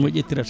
ɗum o ƴettirata